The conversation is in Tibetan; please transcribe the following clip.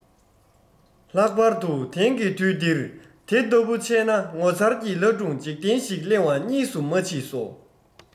ལྷག པར དུ དེང གི དུས འདིར དེ ལྟ བུ འཆད ན ངོ མཚར གྱི ལྷ སྒྲུང འཇིག རྟེན ཞིག གླེང བ གཉིས སུ མ མཆིས སོ